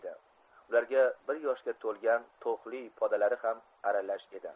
ularga bir yoshga to'lgan to'qli podalari ham aralash edi